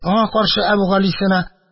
Аңа каршы Әбүгалисина